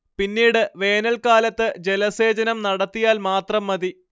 പിന്നീട് വേനൽക്കാലത്ത് ജലസേചനം നടത്തിയാൽ മാത്രം മതി